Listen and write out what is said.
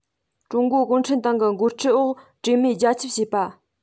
ཀྲུང གོའི གུང ཁྲན ཏང གི འགོ ཁྲིད འོག གྲོས མོལ རྒྱ ཁྱབ བྱས པ